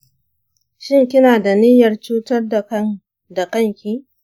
shin kina da niyyar cutar da kanki?